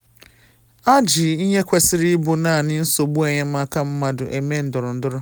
“Ha ji ihe kwesịrị ịbụ naanị nsogbu enyemaka mmadụ eme ndọrọndọrọ.”